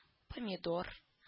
Помидор